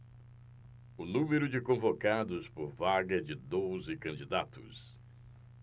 o número de convocados por vaga é de doze candidatos